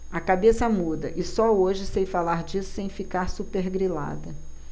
a cabeça muda e só hoje sei falar disso sem ficar supergrilada